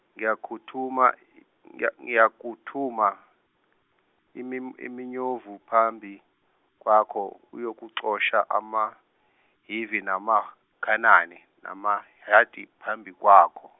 ngiyakuthuma ngiyakuthuma imin- iminyovu phambi kwakho eyakuxosha amaHivi namaKhanani namaHeti phambi kwakho.